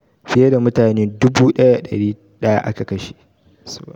Fiye da mutane 1,100 aka kashe.